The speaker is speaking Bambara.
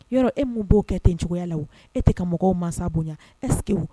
Yɔrɔ e min b'o kɛ ten cogoya la e tɛ ka mɔgɔw mansa bonya ekew